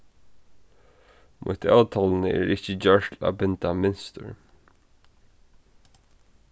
mítt ótolni er ikki gjørt til at binda mynstur